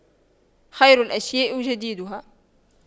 خير الأشياء جديدها